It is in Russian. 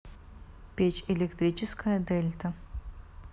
печь электрическая дельта